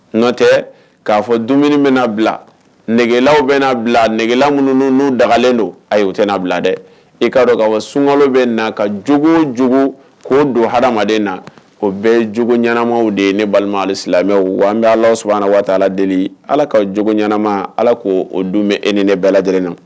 N nɔ tɛ k'a fɔ dumuni bɛ na bila nɛgɛgelaw bɛa bila nɛgɛgela minnuun n'u dagalen don a u tɛna n'a bila dɛ i'a dɔn ka wa sunkalo bɛ na ka jugu o jugu k'o don ha adama na o bɛ j ɲɛnaanamaw de ye ne balima ali mɛ wa bɛ ala s waatita la deli ala ka jugu ɲɛnaanama ala ko o dun bɛ e ni ne bɛɛ lajɛlen na